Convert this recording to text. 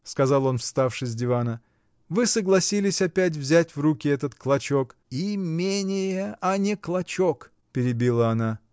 — сказал он, вставши с дивана, — вы согласились опять взять в руки этот клочок. — Имение, а не клочок! — перебила она.